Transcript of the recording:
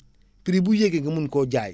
prix bu yéegee nga mun koo jaay